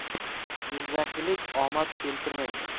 jizzakilik omad keltirmaydi